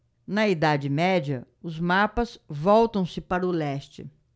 na idade média os mapas voltam-se para o leste